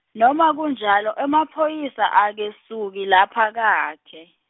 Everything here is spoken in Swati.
noma kunjalo emaphoyisa akesuki lapha kakhe.